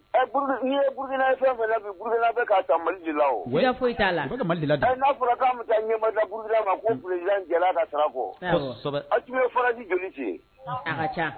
Ɛɛ ni ye Burukina ye fɛn fɛn na bi, Burukina bi ka ta Mali de la wo. Siga ta la. Ɛɛ na fɔra kan bi taa ɲɛma da Burukina ma ko président jɛra ka sara kɔ. Asimi ye forage joli sen?. A ka ca.